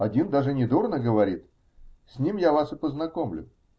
Один даже недурно говорит, с ним я вас и познакомлю.